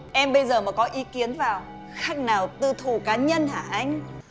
em bây giờ mà có ý kiến vào khác nào tư thù cá nhân hả anh